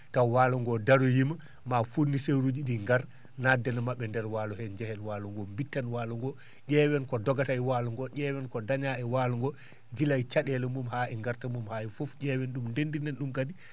taw waalo ngoo daroyiima ma fournisseur uji ?i ngar nadden e maɓ?e nder waalo hee njehen waalo ngo bitten waalo ngo ?eewen ko dogata e waalo ngo ?eewen ko dañaa e waalo ngo gila he ca?eele? mum haa e gartam mum haa e fof ?eewen ?um deenndinen ?um kadi